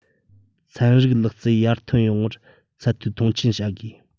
ཚན རིག ལག རྩལ ཡར ཐོན ཡོང བར ཚད མཐོའི མཐོང ཆེན བྱ དགོས